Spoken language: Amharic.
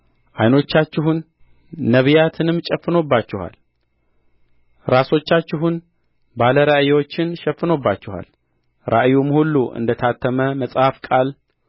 ዓይኖቻችሁን ነቢያትንም ጨፍኖባችኋል ራሶቻችሁን ባለ ራእዮችን ሸፍኖባችኋል ራእዩም ሁሉ እንደ ታተመ መጽሐፍ ቃል